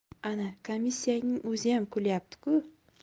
ana kamissiyangning o'ziyam kulyapti ku